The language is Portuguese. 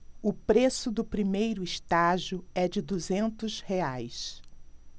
o preço do primeiro estágio é de duzentos reais